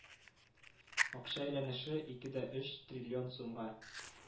Акча әйләнеше ике дә өч триллион сумга